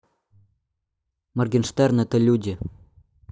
моргенштерн это люди